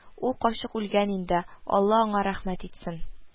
Ул карчык үлгән инде; алла аңар рәхмәт итсен